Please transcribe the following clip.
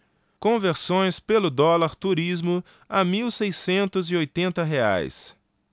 conversões pelo dólar turismo a mil seiscentos e oitenta reais